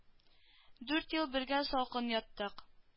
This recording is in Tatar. Дүрт ел бергә салкын яттык